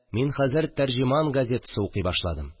Мин хәзер «Тәрҗеман» гәзитәсе укий башладым